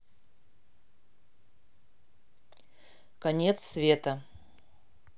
конец света